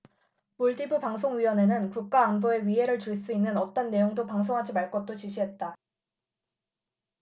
몰디브 방송위원회는 국가안보에 위해를 줄 수 있는 어떤 내용도 방송하지 말 것도 지시했다